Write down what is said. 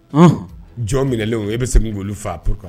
Jɔn minɛlen e bɛ segin' faa po